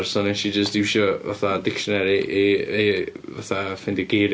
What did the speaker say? So wnes i jyst iwsho fatha dictionary i, i fatha ffeindio geiriau.